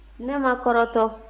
ne ma kɔrɔtɔ